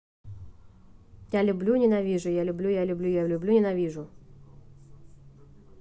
я люблю ненавижу я люблю я люблю я люблю ненавижу